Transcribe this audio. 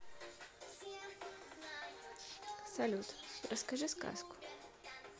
салют расскажи сказку